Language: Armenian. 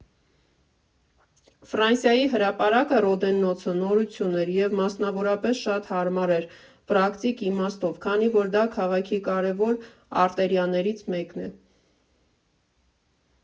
Ֆրանսիայի հրապարակը՝ Ռոդեննոցը, նորություն էր, և մասնավորապես շատ հարմար էր պրակտիկ իմաստով, քանի որ դա քաղաքի կարևոր արտերիաներից մեկն է.